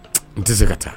N tɛ se ka taa